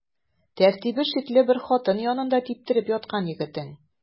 Тәртибе шикле бер хатын янында типтереп яткан егетең.